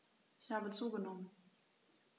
Ich habe zugenommen.